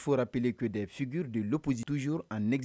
Urrapeyur de fiuguur de psi szur ani nɛgɛ